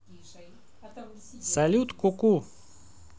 салют куку